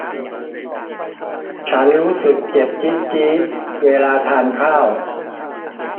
ฉันรู้สึกเจ็บจี๊ดจี๊ดเวลาทานข้าว